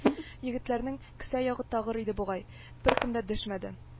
Егетләрнең кесә ягы такыр иде бугай, беркем дә дәшмәде